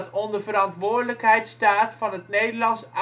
onder verantwoordelijkheid staat van het Nederlands